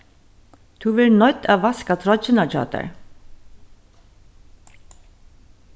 tú verður noydd at vaska troyggjuna hjá tær